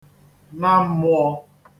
na mmụọ̄